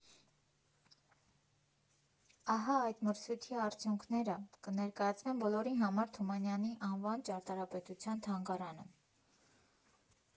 Ահա այդ մրցույթի արդյունքները կներկայացվեն բոլորի համար Թամանյանի անվան ճարտարապետության թանգարանում։